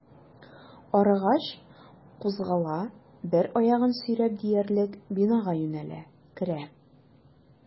Арыгач, кузгала, бер аягын сөйрәп диярлек бинага юнәлә, керә.